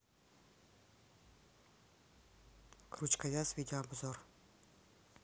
крючковяз видеообзор